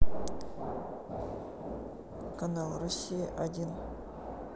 канал россия один